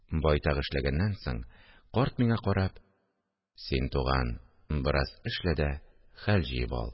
Байтак эшләгәннән соң, карт, миңа карап: – Син, туган, бераз эшлә дә хәл җыеп ал